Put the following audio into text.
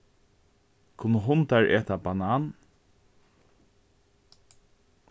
kunnu hundar eta banan